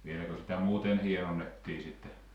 vieläkö sitä muuten hienonnettiin sitten